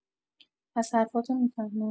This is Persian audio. پس حرفاتو می‌فهمم